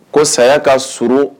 Ko saya ka surun